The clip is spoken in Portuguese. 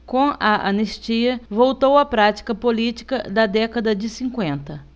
com a anistia voltou a prática política da década de cinquenta